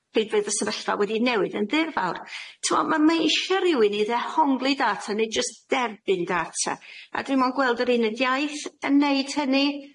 Be' bydd y sefyllfa wedi newid yn ddirfawr t'mo' ma' ma' isie rywun i ddehongli data ne' jyst derbyn data a dwi mo'n gweld yr uned iaith yn neud hynny.